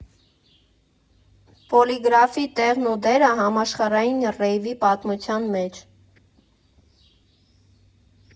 Պոլիգրաֆի տեղն ու դերը համաշխարհային ռեյվի պատմության մեջ։